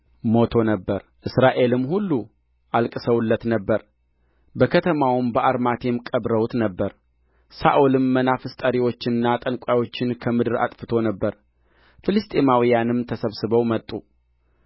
ሞቶ ነበር እስራኤልም ሁሉ አልቅሰውለት ነበር በከተማውም በአርማቴም ቀብረውት ነበር ሳኦልም መናፍስት ጠሪዎችንና ጠንቋዮችን ከምድር አጥፍቶ ነበር ፍልስጥኤማውያንም ተሰብስበው መጡ